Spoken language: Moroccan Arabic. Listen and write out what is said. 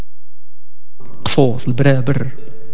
صوره البرابر